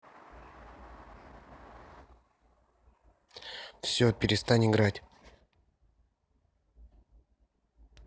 все перестань играть